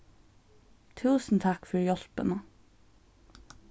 túsund takk fyri hjálpina